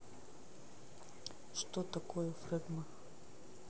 что такое флегмона